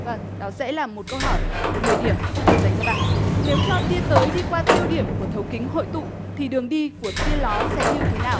vâng đó sẽ là một câu hỏi mười điểm tiếp tục dành cho bạn nếu cho tia tới đi qua tiêu điểm của thấu kính hội tụ thì đường đi của tia ló sẽ như thế nào